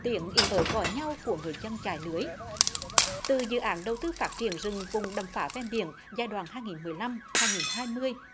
tiếng í ới gọi nhau của người dân chài lưới từ dự án đầu tư phát triển rừng vùng đầm phá ven biển giai đoạn hai nghìn mười năm hai nghìn hai mươi